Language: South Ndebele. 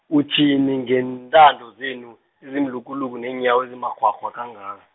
uthini ngeentamo zenu, ezimlukuluku neenyawo ezimakghwakghwa kangan-.